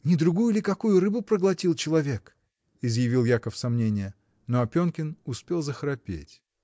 — Не другую ли какую рыбу проглотил человек? — изъявил Яков сомнение. Но Опенкин успел захрапеть.